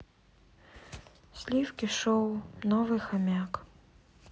сливки шоу новый хомяк